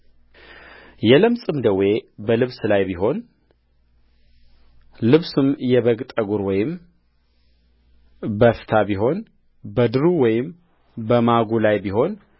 የለምጽም ደዌ በልብስ ላይ ቢሆን ልብሱም የበግ ጠጕር ወይም በፍታ ቢሆንበድሩ ወይም በማጉ ላይ ቢሆን